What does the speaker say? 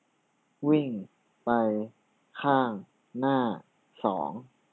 วิ่งไปข้างหน้าสอง